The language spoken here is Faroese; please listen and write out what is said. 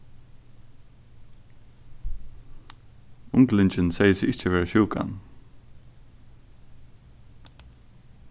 unglingin segði seg ikki vera sjúkan